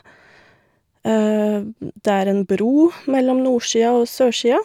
Det er en bro mellom nordsia og sørsia.